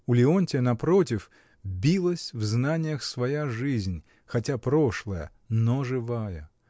У Леонтия, напротив, билась в знаниях своя жизнь, хотя прошлая, но живая.